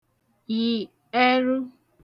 yị̀ ẹrụ